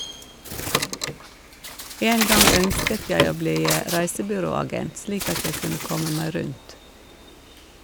En gang ønsket jeg å bli reisebyråagent, slik at jeg kunne komme meg rundt.